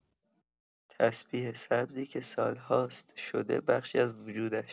تسبیح سبزی که سالهاست شده بخشی از وجودش.